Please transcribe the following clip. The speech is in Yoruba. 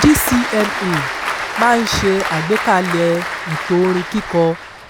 DCMA máa ń ṣe àgbékalẹ̀ ètò orin kíkọ